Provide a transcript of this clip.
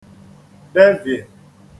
devìe